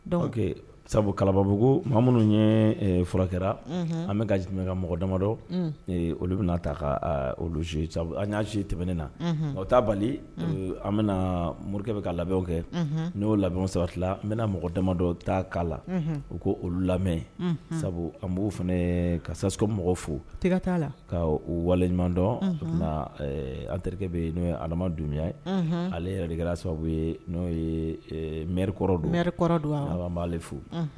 Dɔwkɛ sabu kalababugu ko ma minnu ye fura kɛra an bɛ ka mɔgɔ damadɔ olu bɛna ta olu an y'ase tɛmɛnen na ta bali an bɛna morikɛ bɛ ka labɛnw kɛ n'o lamɛn sabati an n bɛna mɔgɔ damadɔ ta' la u ko olu lamɛn sabu an b fana ka sas mɔgɔ fo tɛgɛ t'a la ka waleɲumandɔn an terikɛ bɛ n'o ye ala adama dunya ye ale yɛrɛ kɛra sababu n'o mi kɔrɔ don kɔrɔ don a b' fo